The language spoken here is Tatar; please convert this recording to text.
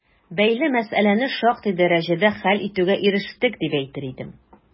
Бәйле мәсьәләне шактый дәрәҗәдә хәл итүгә ирештек, дип әйтер идем.